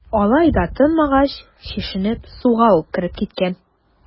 Алай да тынмагач, чишенеп, суга ук кереп киткән.